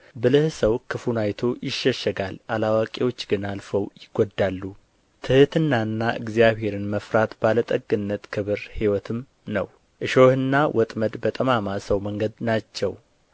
ብልህ ሰው ክፉን አይቶ ይሸሸጋል አላዋቂዎች ግን አልፈው ይጐዳሉ ትሕትናና እግዚአብሔርን መፍራት ባለጠግነት ክብር ሕይወትም ነው እሾህና ወጥመድ በጠማማ ሰው መንገድ ናቸው